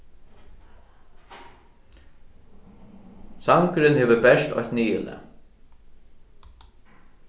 sangurin hevur bert eitt niðurlag